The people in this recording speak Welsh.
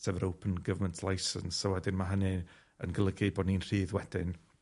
sef yr Open Government Licence, a wedyn ma' hynny yn golygu bo' ni'n rhydd wedyn